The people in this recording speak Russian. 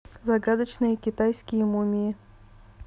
загадочные китайские мумии